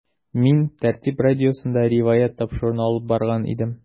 “мин “тәртип” радиосында “риваять” тапшыруын алып барган идем.